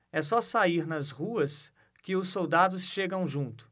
é só sair nas ruas que os soldados chegam junto